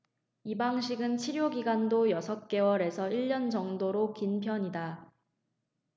이 방식은 치료 기간도 여섯 개월 에서 일 년 정도로 긴 편이다